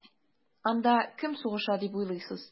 Анда кем сугыша дип уйлыйсыз?